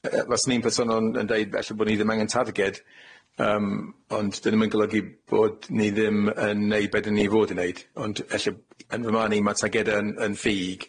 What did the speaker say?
yy faswn i'n personol yn yn deud ella bo' ni ddim angan targed yym ond 'di 'na'm yn golygu bod ni ddim yn neud be' 'dyn ni fod yn neud ond ella yn fy marn i ma' targede yn yn ffug.